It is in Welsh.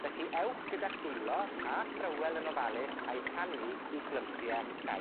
Felly, ewch gyda'ch dwylo, a thrywel yn ofalus, a'i rhannu i glympie llai